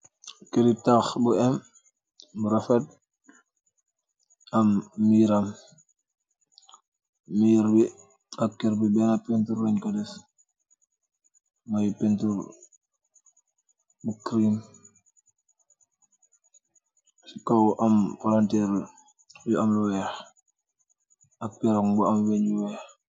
Keuri taah bu em bu rafet, am mirram, mirr bii ak keurr bii benah peintur lenkor deff, moi peintur bu cream, cii kaw am palanterre yu am lu wekh ak pehrong bu am weungh bu wekh.